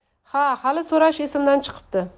ha hali so'rash esimdan chiqibdi